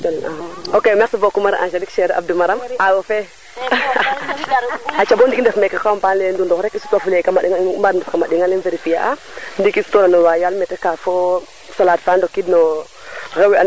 ok merci beaucoup Marie Angelique cherie Adou Mararam Awo fe aca bo ndik i ndef meeke panale Ndoundokh rek i sutwa fule kama ɗingale i mba ndet kama ɗingale verifier a ndiki sutoxa no yaal meta ka fo wan salade fa ndokid no rewe ando naye